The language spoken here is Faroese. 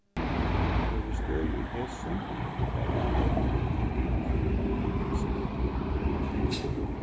og við støði í hesum varð áheitanin til yvirfriðingarnevndina send